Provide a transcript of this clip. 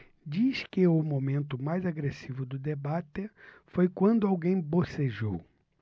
diz que o momento mais agressivo do debate foi quando alguém bocejou